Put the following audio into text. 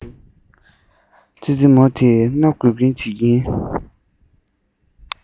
ཙི ཙི མོ དེས སྣ འགུལ འགུལ བྱེད ཀྱིན